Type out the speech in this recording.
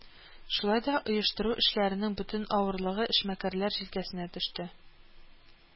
Шулай да оештыру эшләренең бөтен авырлыгы эшмәкәрләр җилкәсенә төште